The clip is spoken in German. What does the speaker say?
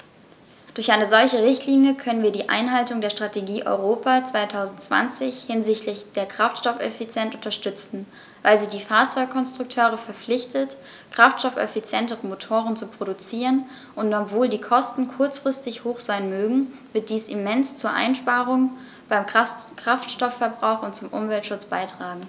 Durch eine solche Richtlinie können wir die Einhaltung der Strategie Europa 2020 hinsichtlich der Kraftstoffeffizienz unterstützen, weil sie die Fahrzeugkonstrukteure verpflichtet, kraftstoffeffizientere Motoren zu produzieren, und obwohl die Kosten kurzfristig hoch sein mögen, wird dies immens zu Einsparungen beim Kraftstoffverbrauch und zum Umweltschutz beitragen.